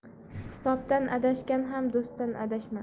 hisobdan adashsang ham do'stdan adashma